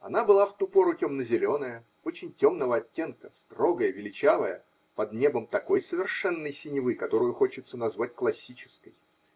Она была в ту пору темно-зеленая, очень темного оттенка, строгая, величавая, под небом такой совершенной синевы, которую хочется назвать классической